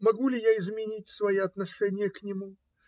Могу ли я изменить свои отношения к нему?